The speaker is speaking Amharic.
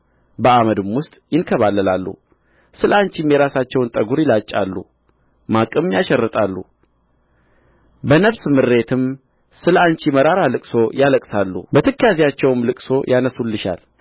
በአመድም ውስጥ ይንከባለላሉ ስለ አንቺም የራሳቸውን ጠጕር ይላጫሉ ማቅም ያሸርጣሉ በነፍስ ምሬትም ስለ አንቺ መራራ ልቅሶ ያለቅሳሉ በትካዜያቸውም ልቅሶ ያነሡልሻል